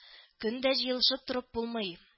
— көн дә җыелышып торып булмый